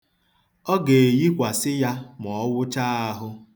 Ọ ga-eyikwasị ya ma ọ wụchaa ahụ.